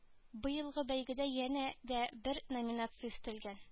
Быелгы бәйгедә янә дә бер номинация өстәлгән